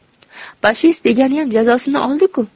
pashist deganiyam jazosini oldi ku